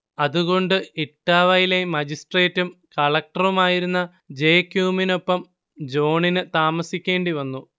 അതുകൊണ്ട് ഇട്ടാവയിലെ മജിസ്ട്രേറ്റും കളക്റ്ററുമായിരുന്ന ജെ ക്യുമിനൊപ്പം ജോണിന് താമസിക്കേണ്ടി വന്നു